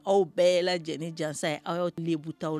Aw bɛɛ lajɛlen jansa ,a y'aw lebu t'aw la